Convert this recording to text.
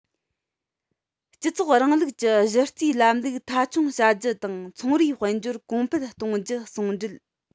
སྤྱི ཚོགས རིང ལུགས ཀྱི གཞི རྩའི ལམ ལུགས མཐའ འཁྱོངས བྱ རྒྱུ དང ཚོང རའི དཔལ འབྱོར གོང འཕེལ གཏོང རྒྱུ ཟུང འབྲེལ